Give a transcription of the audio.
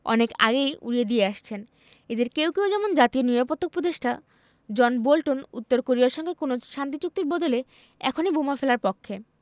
অনেক আগেই উড়িয়ে দিয়ে আসছেন এঁদের কেউ কেউ যেমন জাতীয় নিরাপত্তা উপদেষ্টা জন বোল্টন উত্তর কোরিয়ার সঙ্গে কোনো শান্তি চুক্তির বদলে এখনই বোমা ফেলার পক্ষে